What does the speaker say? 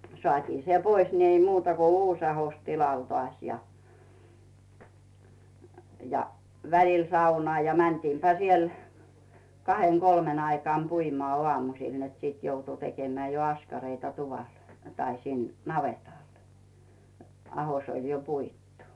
saatiin se pois niin ei muuta kuin uusi ahdos tilalle taas ja ja välillä saunaan ja mentiinpä siellä kahden kolmen aikaan puimaan aamusilla että sitten joutui tekemään jo askareita tuvalla tai sinne navetalla ahdos - oli jo puitu